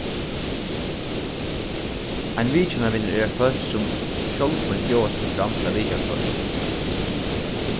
ein vitjanarvinur er eitt fólk sum sjálvboðin bjóðar seg fram til at vitja fólk